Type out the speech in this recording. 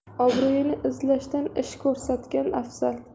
obro'ni izlashdan ish ko'rsatgan afzal